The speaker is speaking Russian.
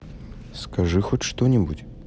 скажи хоть что нибудь